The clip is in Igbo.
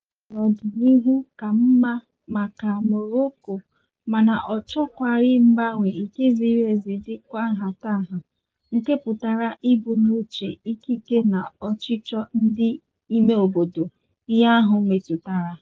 Ọ chọrọ ọdịnihu ka mma maka Morocco, mana ọ chọkwara mgbanwe ike ziri ezi dịkwa nhatanha, nke pụtara ibu n'uche ikike na ọchịchọ ndị imeobodo ihe ahụ metụtara.